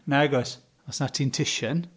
Nagoes... Os na ti'n -tician.